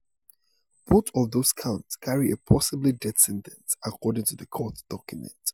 Both of those counts carry a possibly death sentence, according to the court document.